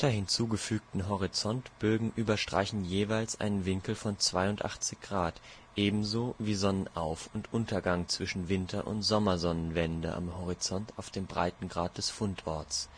hinzugefügten Horizontbögen überstreichen jeweils einen Winkel von 82 Grad, ebenso wie Sonnenauf - und untergang zwischen Winter - und Sommersonnenwende am Horizont auf dem Breitengrad des Fundorts